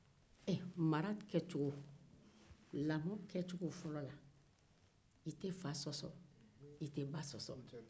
lamɔ kɛcogo fɔlɔ la i tɛ fa sɔsɔ i te ba sɔsɔ